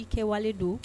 I kɛwale don